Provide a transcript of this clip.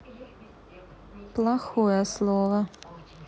плохое слово